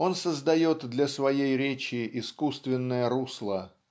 Он создает для своей речи искусственное русло